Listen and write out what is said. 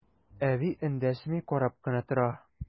Әби эндәшми, карап кына тора.